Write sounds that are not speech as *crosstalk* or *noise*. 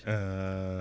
*hesitation* *hesitation*